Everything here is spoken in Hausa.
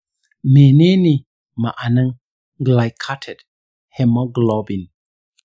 mene ne ma'anan glycated haemoglobin?